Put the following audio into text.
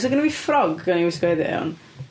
So oedd genna fi ffrog o'n i'n gwisgo heddiw iawn...